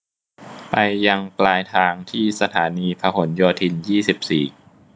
ไปยังปลายทางที่สถานีพหลโยธินยี่สิบสี่